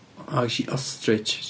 O, ges i ostrich.